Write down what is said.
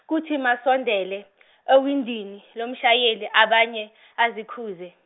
kuthi makasondele ewindini lomshayeli abanye azikhuze.